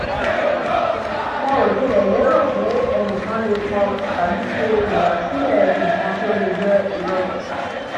Wọn ò tilẹ̀ lè lérò pé ẹnìkan lè kọ tàbí ṣe ìgbàsílẹ̀ nǹkan tí ó lè jẹ́ irọ́.